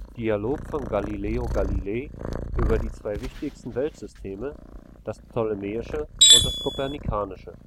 Dialog von Galileo Galilei über die zwei wichtigsten Weltsysteme, das ptolemäische und das kopernikanische